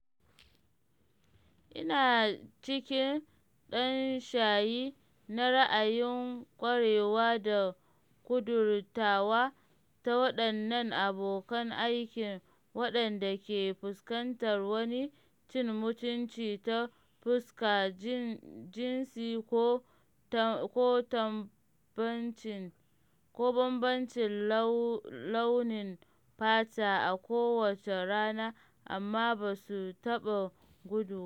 Ina cikin dan shayi na ra’ayin kwarewa da ƙudurtawa ta waɗannan abokan aikin waɗanda ke fuskantar wani cin mutunci ta fuska jinsi ko bambancin launin fata a kowace rana amma ba su taɓa gudu ba.